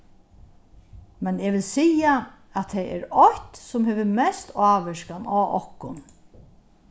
men eg vil siga at tað er eitt sum hevur mest ávirkan á okkum